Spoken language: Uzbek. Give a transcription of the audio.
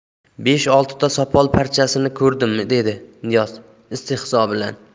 besh oltita sopol parchasini ko'rdim dedi niyoz istehzo bilan